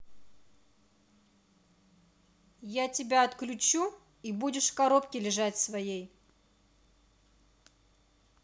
я тебя отключу и будешь в коробке лежат своей